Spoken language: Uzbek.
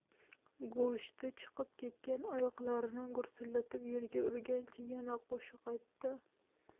go'shti chiqib ketgan oyoqlarini gursillatib yerga urgancha yana qo'shiq aytdi